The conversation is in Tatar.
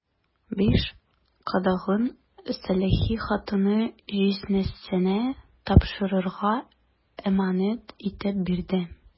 Биш кадагын сәләхи хатыны җизнәсенә тапшырырга әманәт итеп бирде.